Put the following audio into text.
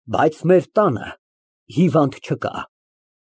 Բայց մեր տանը հիվանդ չկա։